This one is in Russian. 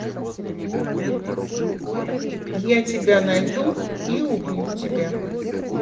я тебя найду и убью тебя